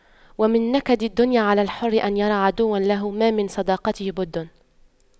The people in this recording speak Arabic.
ومن نكد الدنيا على الحر أن يرى عدوا له ما من صداقته بد